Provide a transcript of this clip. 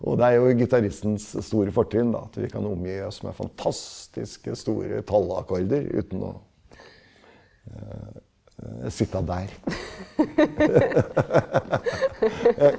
og det er jo gitaristens store fortrinn da, at vi kan omgi oss med fantastiske store tallakkorder uten å sitte der .